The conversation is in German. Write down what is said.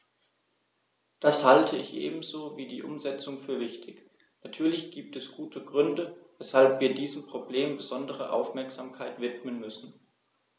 Das halte ich ebenso wie die Umsetzung für wichtig. Natürlich gibt es gute Gründe, weshalb wir diesem Problem besondere Aufmerksamkeit widmen müssen.